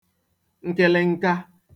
nkịlịnka